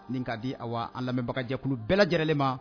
Nin ka di a wa an lamɛnbagajɛkulu bɛɛ lajɛlenlen ma